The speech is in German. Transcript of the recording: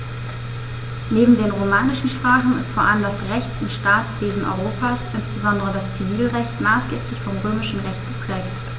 Neben den romanischen Sprachen ist vor allem das Rechts- und Staatswesen Europas, insbesondere das Zivilrecht, maßgeblich vom Römischen Recht geprägt.